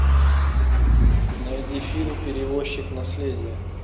найди фильм перевозчик наследие